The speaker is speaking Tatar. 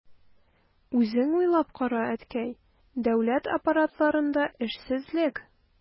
Үзең уйлап кара, әткәй, дәүләт аппаратларында эшсезлек...